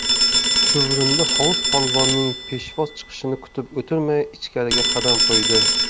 chuvrindi hovuz polvonning peshvoz chiqishini kutib o'tirmay ichkariga qadam qo'ydi